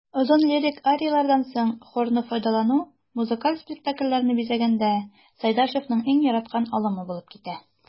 Озын лирик арияләрдән соң хорны файдалану музыкаль спектакльләрне бизәгәндә Сәйдәшевнең иң яраткан алымы булып китә.